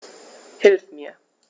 Hilf mir!